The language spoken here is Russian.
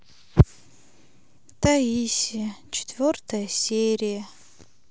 таисия четвертая серия